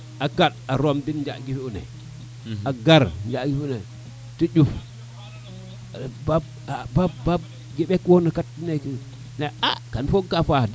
a kar a rom njaƴke fiyo ne a gar njaƴo nge fi te ƴuf ale baab baab ke ɓekwona kat neke te a kan fog uye ka faax di